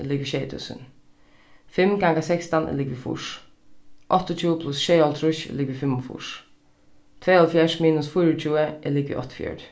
er ligvið sjey túsund fimm ganga sekstan er ligvið fýrs áttaogtjúgu pluss sjeyoghálvtrýss er ligvið fimmogfýrs tveyoghálvfjerðs minus fýraogtjúgu er ligvið áttaogfjøruti